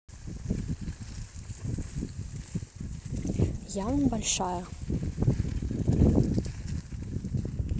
young большая